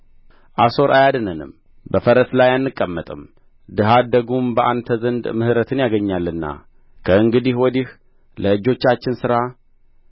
አሦር አያድነንም በፈረስ ላይ አንቀመጥም ድሀ አደጉም በአንተ ዘንድ ምሕረትን ያገኛልና ከእንግዲህ ወዲህ ለእጆቻችን ሥራ